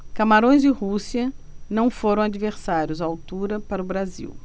camarões e rússia não foram adversários à altura para o brasil